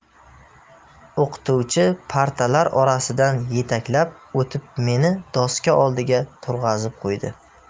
o'qituvchi partalar orasidan yetaklab o'tib meni doska oldiga turg'azib qo'ydi